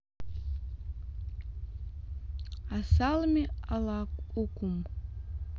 assalomu alaykum